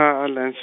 a- a- Lens-.